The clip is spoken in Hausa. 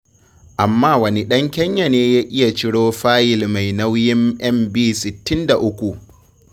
Amma wane ɗan Kenya ne ya iya ciro fayil mai nauyin 63 MB?